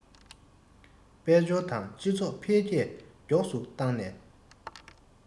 དཔལ འབྱོར དང སྤྱི ཚོགས འཕེལ རྒྱས མགྱོགས སུ བཏང ནས